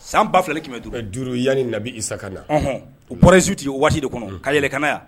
San ba filɛ kɛmɛ bɛ don ka juru duuru yaani nabi i sa ka na o pɛsiwu tɛ yen waati de kɔnɔ ka yɛlɛ ka yan